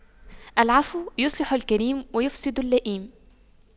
العفو يصلح الكريم ويفسد اللئيم